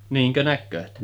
niinkö näkevät